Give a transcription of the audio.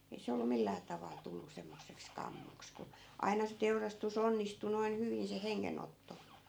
ei se ollut millään tavalla tullut semmoiseksi kammoksi kun aina se teurastus onnistui noin hyvin se hengenotto